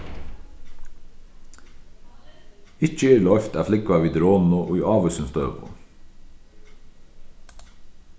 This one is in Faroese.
ikki er loyvt at flúgva við dronu í ávísum støðum